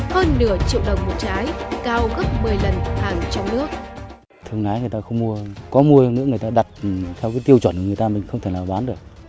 hơn nửa triệu đồng một trái cao gấp mười lần hàng trong nước thương lái người ta không mùa có mua nữa người ta đặt theo tiêu chuẩn người ta mình không thể nào đoán được